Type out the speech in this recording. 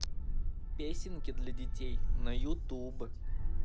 песенки для детей на ютуб